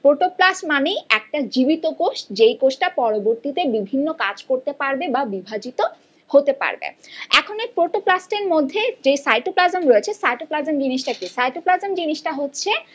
protoplast মানে একটা জীবিত কোষ যে কোষ টা পরবর্তীতে বিভিন্ন কাজ করতে পারবে বা বিভাজিত হতে পারবে এখন এই প্রোটোপ্লাস্ট এর মধ্যে যে সাইটোপ্লাজম রয়েছে সাইটোপ্লাজম জিনিসটা কি সাইটোপ্লাজম জিনিসটা হচ্ছে